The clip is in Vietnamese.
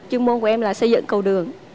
chuyên môn của em là xây dựng cầu đường